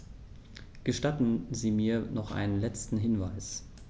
Gestatten Sie mir noch einen letzten Hinweis.